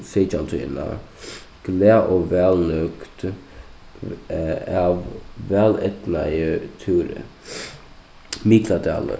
seytjantíðina glað og væl nøgd av væleydnaði túri mikladalur